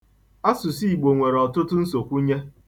Asụsụ Igbo nwere ọtụtụ nsokwụnye.